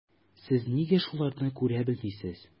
Сез нигә шуларны күрә белмисез?